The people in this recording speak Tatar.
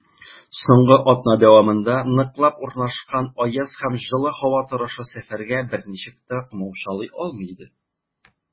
Соңгы атна дәвамында ныклап урнашкан аяз һәм җылы һава торышы сәфәргә берничек тә комачаулый алмый иде.